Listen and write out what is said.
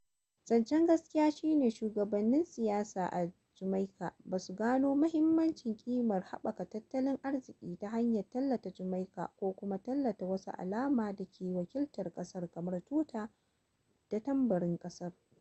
Zancen gaskiya shi ne shugabannin siyasa a Jamaika ba su gano muhimmancin ƙimar haɓaka tattalin arziƙi ta hanyar tallata "Jamaika" ko kuma tallata wasu alamu da ke "wakiltar" ƙasar kamar tuta da tambarin ƙasar.